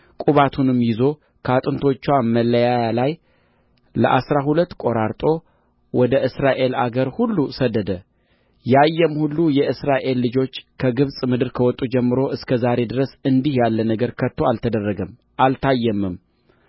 ቁባቱንም ይዞ ከአጥንቶችዋ መለያያ ላይ ለአሥራ ሁለት ቈራርጦ ወደ እስራኤል አገር ሁሉ ሰደደ ያየም ሁሉ የእስራኤል ልጆች ከግብፅ ምድር ከወጡ ጀምሮ እስከ ዛሬ ድረስ እንዲህ ያለ ነገር ከቶ አልተደረገም አልታየምም